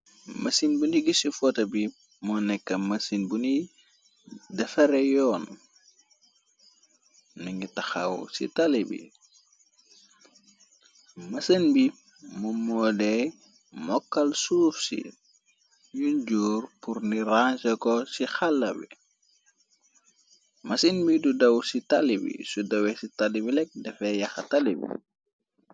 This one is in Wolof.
Masin bunu gis ci fota bi moo nekka masin bunuy defare yoon. Mu ngi taxaw cb masan bi mu moodeey mokkal suufsi yuñ jóor purni range ko ci xalabi. Masin mi du daw ci tali bi su dawe ci tali bi lekk defay yaxa tali bi.